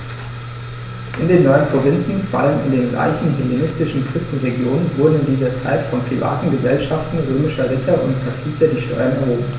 In den neuen Provinzen, vor allem in den reichen hellenistischen Küstenregionen, wurden in dieser Zeit von privaten „Gesellschaften“ römischer Ritter und Patrizier die Steuern erhoben.